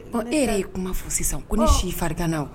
Ɔ e yɛrɛ y'i kuma fo sisan ko ne si faririn nna